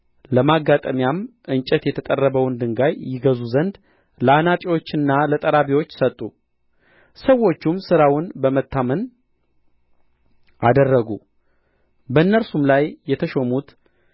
ለማጋጠሚያም እንጨት የተጠረበውንም ድንጋይ ይገዙ ዘንድ ለአናጢዎችና ለጠራቢዎች ሰጡ ሰዎቹም ሥራውን በመታመን አደረጉ በእነርሱም ላይ የተሾሙት